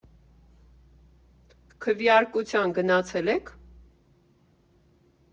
«Քվեարկության գնացե՞լ եք։